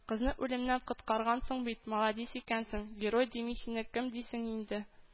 – кызны үлемнән коткаргансың бит. маладис икәнсең. герой дими сине кем дисең инде